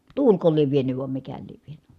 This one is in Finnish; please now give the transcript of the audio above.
tuuliko lie vienyt vai mikä lie vienyt